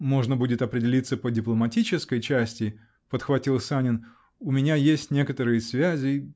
-- Можно будет определиться по дипломатической части, -- подхватил Санин, -- у меня есть некоторые связи.